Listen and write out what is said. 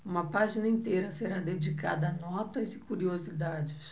uma página inteira será dedicada a notas e curiosidades